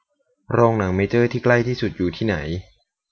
โรงหนังเมเจอร์ที่ใกล้ที่สุดอยู่ที่ไหน